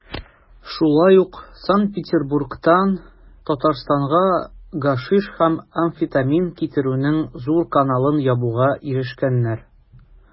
Шулай ук Санкт-Петербургтан Татарстанга гашиш һәм амфетамин китерүнең зур каналын ябуга ирешкәннәр.